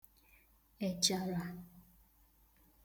èchàrà